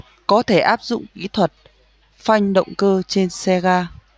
có thể áp dụng kỹ thuật phanh động cơ trên xe ga